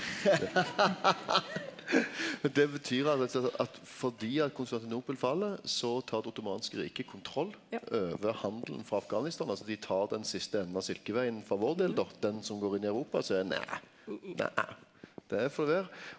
og det betyr at rett og slett at fordi at Konstantinopel fell så tar det Ottomanske riket kontroll over handelen frå Afghanistan, altså dei tar den siste enden av Silkevegen for vår del då den som går inn i Europa og seier nei nei det får det vere.